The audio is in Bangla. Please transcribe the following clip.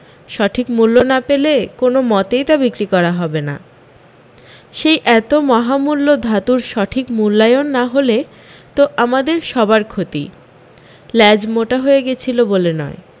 সঠিক মূল্য না পেলে কোনো মতেই তা বিক্রী করা হবে না সেই এতো মহামূল্য ধাতুর সঠিক মূল্যায়ন না হলে তো আমাদের সবার ক্ষতি ল্যাজ মোটা হয়েছিলো বলে নয়